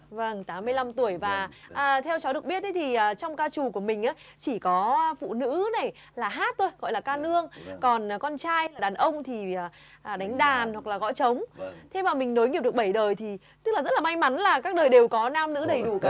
vầng tám mươi lăm tuổi và à theo cháu được biết ấy thì ờ trong ca trù của mình ớ chỉ có ơ phụ nữ này là hát thôi gọi là ca nương còn ờ con trai đàn ông thì ờ à đánh đàn hoặc là gõ trống thế mà mình nối nghiệp được bảy đời thì tức là rất là may mắn là các đời đều có nam nữ đầy đủ cả